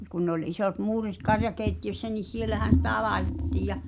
mutta kun ne oli isot muurit karjakeittiössä niin siellähän sitä laitettiin ja